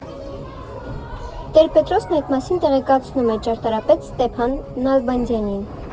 Տեր Պետրոսն այդ մասին տեղեկացնում է ճարտարապետ Ստեփան Նալբանդյանին։